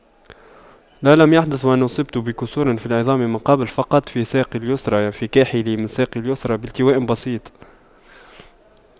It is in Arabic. لا لم يحدث وأن أصبت بكسور في العظام من قبل فقط في ساقي اليسرى في كاحلي من ساقي اليسرى بالتواء بسيط